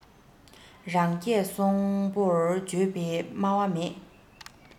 རང སྐད སྲོང པོར བརྗོད པའི སྨྲ བ མེད